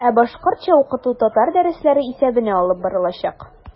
Ә башкортча укыту татар дәресләре исәбенә алып барылачак.